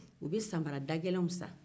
u bɛ samaradagɛlɛnw san